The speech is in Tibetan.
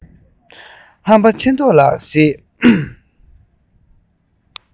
ཧམ པ ཆེ མདོག ལ